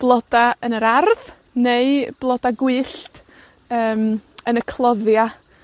Bloda yn yr ardd, neu bloda gwyllt ,yym, yn y cloddia'?